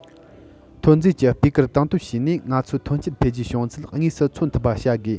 ཐོན རྫས ཀྱི སྤུས ཀར དང དོད བྱས ནས ང ཚོའི ཐོན སྐྱེད འཕེལ རྒྱས བྱུང ཚུལ དངོས སུ མཚོན ཐུབ པ བྱ དགོས